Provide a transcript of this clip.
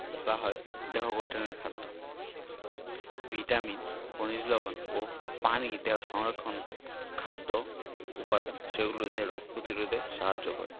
বলা হয় দেহ গঠনের খাদ্য ভিটামিন খনিজ লবন ও পানি দেহ সংরক্ষক খাদ্য উপাদান সেগুলো দেহের রোগ প্রতিরোধে সাহায্য করে